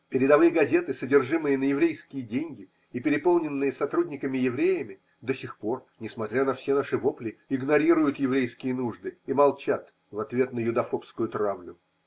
Передовые газеты, содержимые на еврейские деньги и переполненные сотрудниками-евреями, до сих пор, несмотря на все наши вопли, игнорируют еврейские нужды и молчат в ответ на юдофобскую травлю.